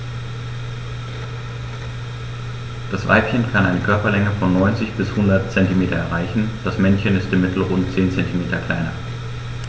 Das Weibchen kann eine Körperlänge von 90-100 cm erreichen; das Männchen ist im Mittel rund 10 cm kleiner.